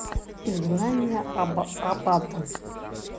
изгнание абаддон